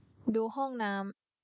ดูห้องน้ำ